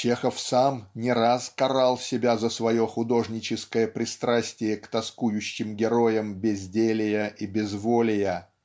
Чехов сам не раз карал себя за свое художническое пристрастие к тоскующим героям безделия и безволия.